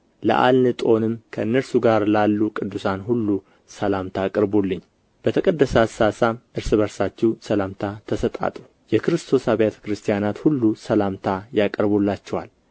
ለአልንጦንም ከእነርሱ ጋር ላሉ ቅዱሳን ሁሉ ሰላምታ አቅርቡልኝ በተቀደሰ አሳሳም እርስ በርሳችሁ ሰላምታ ተሰጣጡ የክርስቶስ አብያተ ክርስቲያናት ሁሉ ሰላምታ ያቀርቡላችኋል